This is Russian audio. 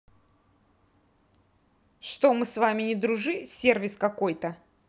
что мы с вами не дружи сервис какой то